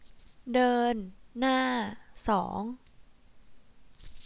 เดินหน้าสอง